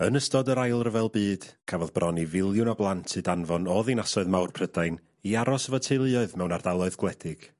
Yn ystod yr ail ryfel byd cafodd bron i filiwn o blant 'u danfon o ddinasoedd mawr Prydain i aros efo teuluoedd mewn ardaloedd gwledig.